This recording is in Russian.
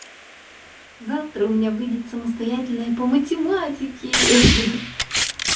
завтра у меня выйдет самостоятельная по математике